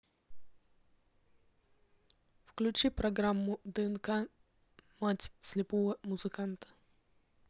включи программу днк мать слепого музыканта